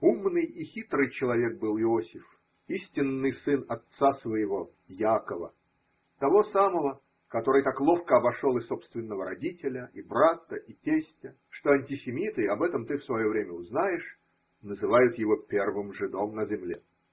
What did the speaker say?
Умный и хитрый человек был Иосиф, истинный сын отца своего Яакова, того самого, который так ловко обошел и собственного родителя, и брата, и тестя, что антисемиты – об этом ты в свое время узнаешь – называют его первым жидом на земле.